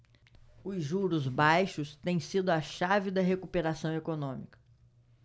os juros baixos têm sido a chave da recuperação econômica